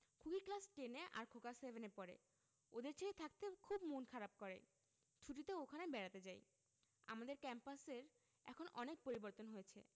খুকি class ten এ আর খোকা সেভেন এ পড়ে ওদের ছেড়ে থাকতে খুব মন খারাপ করে ছুটিতে ওখানে বেড়াতে যাই আমাদের ক্যাম্পাসের এখন অনেক পরিবর্তন হয়েছে